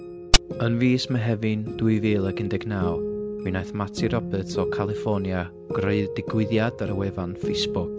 Yn fis Mehefin dwy fil ac undeg naw , mi wnaeth Matty Roberts o California greu digwyddiad ar y wefan Facebook.